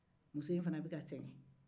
muso in fana bɛ ka sɛgɛn